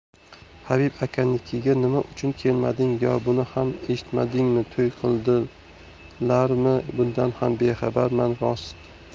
habib akanikiga nima uchun kelmading yo buni ham eshitmadingmi to'y qildilarmi bundan ham bexabarman rost